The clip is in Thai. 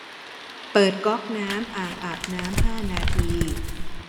เปิดก๊อกน้ำอ่างอาบน้ำห้านาที